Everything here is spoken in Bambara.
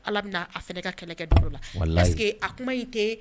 Ala bɛ a fana ka kɛlɛ kɛ la que a kuma in tɛ